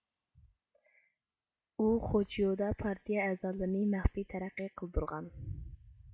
ئۇ خوچيۇدا پارتىيە ئەزالىرىنى مەخپىي تەرەققىي قىلدۇرغان